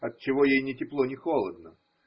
от чего ей ни тепло, ни холодно?